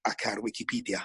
Ac ar wicipedia.